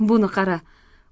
buni qara